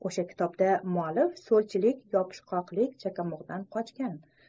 o'sha kitobda muallif so'lchilikdan yopishqoq chakamug'dan qochganday qochgan